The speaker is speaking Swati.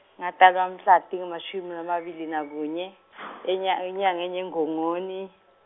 ngatalwa mhla tingemashumi lamabili nakunye , enya-, enyangeni yeNgongoni.